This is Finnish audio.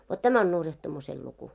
vot tämä on nurjahtumisen luku